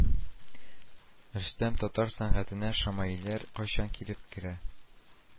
Рөстәм, татар сәнгатенә шәмаилләр кайчан килеп керә